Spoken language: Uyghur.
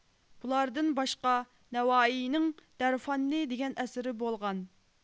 بۇلاردىن باشقا نەۋائىينىڭ دەرفاننى دېگەن ئەسىرى بولغان